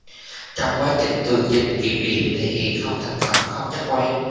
trong quá trình tường trình kiểm điểm thể hiện không thành khẩn không nhất quán